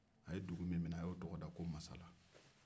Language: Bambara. a ye dugu min minɛ a yo tɔgɔ da ko masala